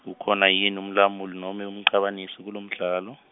ukhona yini umlamuli nome umcabanisi kulomdlalo?